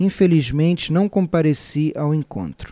infelizmente não compareci ao encontro